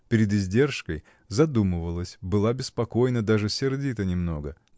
перед издержкой задумывалась, была беспокойна, даже сердита немного